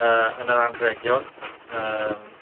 Yy, yn yr anrhegion, yym...